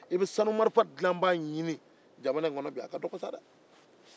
i bɛ sanumarifa dilabaa ɲini jamana in kɔnɔ bi a ka dɔgɔn sa dɛ